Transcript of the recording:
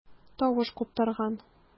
Тавыш куптарган.